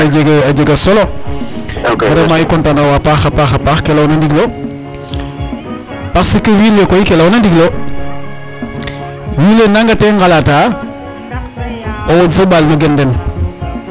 A jega a jega solo vraimenet i content na a paax a paax ke layoona ndigil o parce que wiin we koy ke layoona ndigil o wiin we nangaete ngalataa o wod fo ɓaal no gen den.